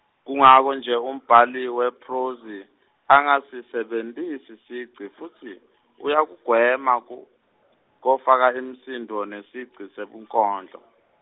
kungako nje umbhali wephrozi, angasisebentisi sigci futsi, uyakugwema ku, kufaka imisindvo nesigci sebunkondlo.